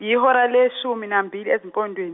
yihora leshumi nambili ezimpondweni.